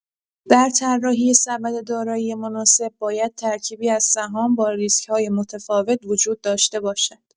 در طراحی سبد دارایی مناسب، باید ترکیبی از سهام با ریسک‌های متفاوت وجود داشته باشد.